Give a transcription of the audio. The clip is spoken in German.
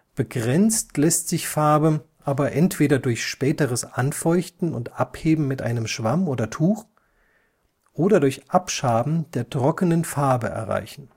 Begrenzt lässt sich Farbe aber entweder durch späteres Anfeuchten und Abheben mit einem Schwamm oder Tuch oder durch Abschaben der trockenen Farbe erreichen